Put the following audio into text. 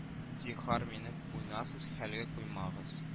Зинһар, мине уңайсыз хәлгә куймагыз